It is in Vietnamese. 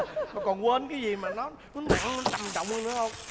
mà quên cái gì mà nó nặng trầm trọng hơn nữa không